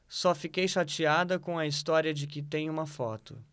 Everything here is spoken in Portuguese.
só fiquei chateada com a história de que tem uma foto